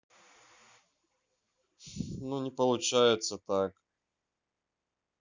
ну не получится так